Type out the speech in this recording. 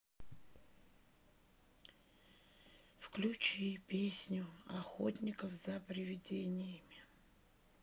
включи песню охотников за приведениями